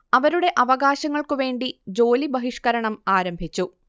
അവരുടെ അവകാശങ്ങൾക്കു വേണ്ടി ജോലി ബഹിഷ്കരണം ആരംഭിച്ചു